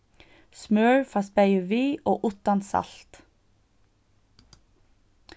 smør fæst bæði við og uttan salt